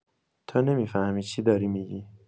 تو نمی‌فهمی چی داری می‌گی.